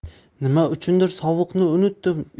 nima uchundir sovuqni unutdim